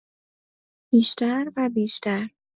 بیشتر و بیشتر